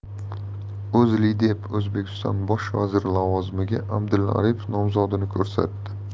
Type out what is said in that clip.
o'zlidep o'zbekiston bosh vaziri lavozimiga abdulla aripov nomzodini ko'rsatdi